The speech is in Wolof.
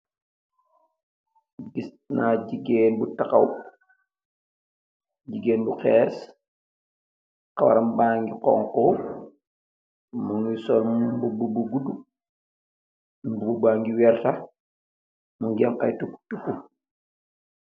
Giss naa jigeen bu tahaw, Jigeen bu hess. kawaram ba ngi hoghu, mu ngi soll Mboobu bu gudu. Mboobu ba ngi werta, mu ngi am aye tupu tupu.